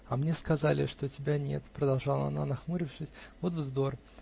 "А мне сказали, что тебя нет, -- продолжала она, нахмурившись, -- вот вздор!